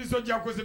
I nisɔn jan ko